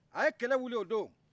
a ye kɛlɛ wili o don